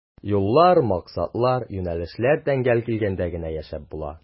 Юллар, максатлар, юнәлешләр тәңгәл килгәндә генә яшәп була.